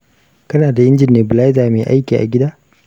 kana da injin nebulizer mai aiki a gida?